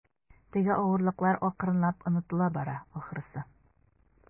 Теге авырлыклар акрынлап онытыла бара, ахрысы.